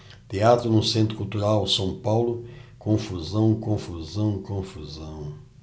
teatro no centro cultural são paulo confusão confusão confusão